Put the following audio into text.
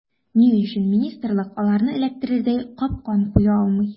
Ни өчен министрлык аларны эләктерердәй “капкан” куя алмый.